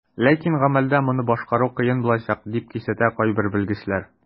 Ләкин гамәлдә моны башкару кыен булачак, дип кисәтә кайбер белгечләр.